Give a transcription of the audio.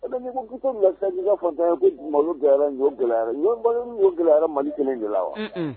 I bɛ ɲtu mi ɲɛ fantan bɛ gɛlɛyayara ɲɔ gɛlɛyayara gɛlɛyayara mali kelen gɛlɛya wa